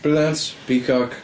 Brilliant. Peacock.